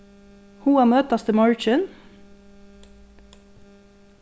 hug at møtast í morgin